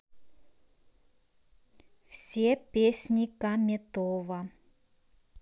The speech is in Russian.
все песни каметова